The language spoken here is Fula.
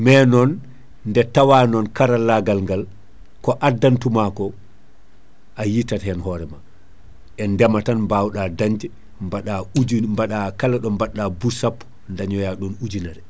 mais non nde tawa non karallagal ngal ko addantuma ko a yitat hen hoorema e ndeema tan bawɗa dañde baɗa uju baɗa kala ɗo badɗa bus sappo dañoya ɗon ujunere